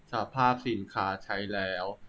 สภาพสินค้าสินค้าใช้แล้ว